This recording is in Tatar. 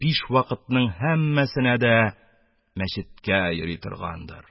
Биш вакытның һәммәсенә дә мәчеткә йөри торгандыр...